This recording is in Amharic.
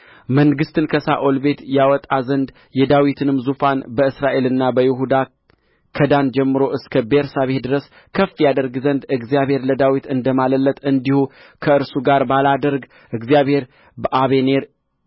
መንግሥትን ከሳኦል ቤት ያወጣ ዘንድ የዳዊትንም ዙፋን በእስራኤልና በይሁዳ ከዳን ጀምሮ እስከ ቤርሳቤህ ድረስ ከፍ ያደርግ ዘንድ እግዚአብሔር ለዳዊት እንደ ማለለት እንዲሁ ከእርሱ ጋር ባላደርግ እግዚአብሔር በአበኔር